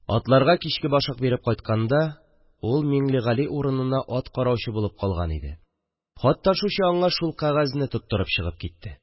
Атларга кичке башак биреп кайтканда – ул Миңлегали урынына ат караучы булып калган иде – хат ташучы аңа шул кәгазьне тоттырып чыгып китте